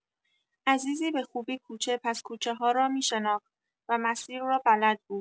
عزیزی به خوبی کوچه پس‌کوچه‌ها را می‌شناخت و مسیر را بلد بود.